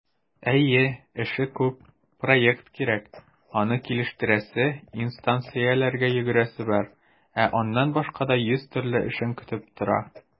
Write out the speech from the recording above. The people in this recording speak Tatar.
Әйе, эше күп - проект кирәк, аны килештерәсе, инстанцияләргә йөгерәсе бар, ә аннан башка да йөз төрле эшең көтеп тора.